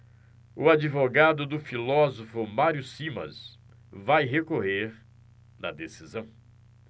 o advogado do filósofo mário simas vai recorrer da decisão